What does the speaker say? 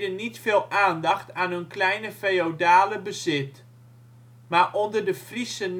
niet veel aandacht aan hun kleine feodale bezit, maar onder de Friesche Nassaus